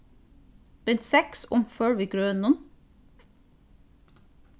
bint seks umfør við grønum